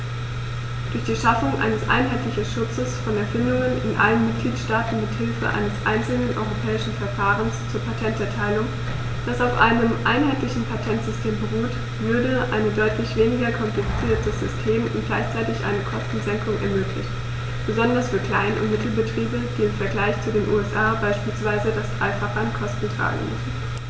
Durch die Schaffung eines einheitlichen Schutzes von Erfindungen in allen Mitgliedstaaten mit Hilfe eines einzelnen europäischen Verfahrens zur Patenterteilung, das auf einem einheitlichen Patentsystem beruht, würde ein deutlich weniger kompliziertes System und gleichzeitig eine Kostensenkung ermöglicht, besonders für Klein- und Mittelbetriebe, die im Vergleich zu den USA beispielsweise das dreifache an Kosten tragen müssen.